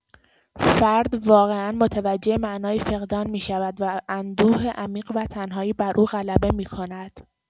فرد واقعا متوجه معنای فقدان می‌شود و اندوه عمیق و تنهایی بر او غلبه می‌کند.